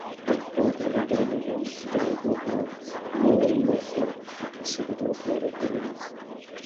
Helpodd y rhaglenni hyn i gael pobol yn ôl i weithio ac i sefydlogi'r economi.